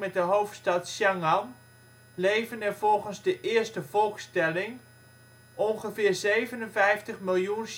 hoofdstad Chang'an, leven er volgens de eerste volkstelling ± 57 miljoen Chinezen